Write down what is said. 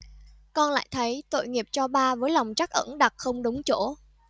con lại thấy tội nghiệp cho ba với lòng trắc ẩn đặt không đúng chỗ